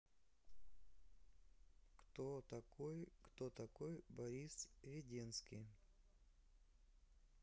кто такой кто такой борис веденский